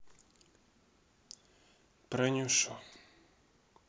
про нюшу